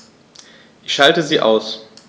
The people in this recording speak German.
Ich schalte sie aus.